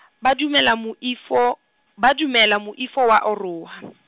ba dumela moifo, ba dumela moifo wa oroha .